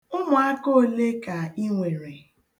Ụmụaka ole ka i nwere?